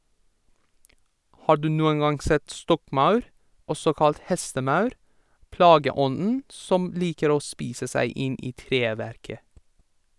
Har du noen gang sett stokkmaur, også kalt hestemaur, plageånden som liker å spise seg inn i treverket?